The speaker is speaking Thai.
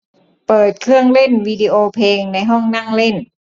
เปิดเครื่องเล่นวิดิโอเพลงในห้องนั่งเล่น